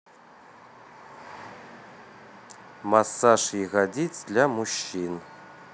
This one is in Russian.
массаж ягодиц для мужчин